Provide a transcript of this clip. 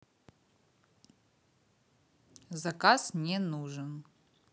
заказ не нужен